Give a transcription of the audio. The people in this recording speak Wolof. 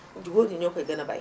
góor ñi ñoo koy gën a bay